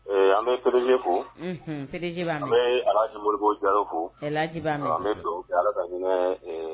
An bɛ perejɛ fo pereji an bɛ alazmobugu jaro foji an bɛ don ala ka hinɛ